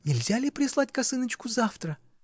— Нельзя ли прислать косыночку завтра?